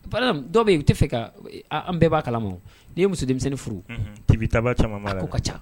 Ba dɔw bɛ yen bɛ fɛ an bɛɛ b'a ma n'i ye muso denmisɛnnin furu tebi taba caman' ka ca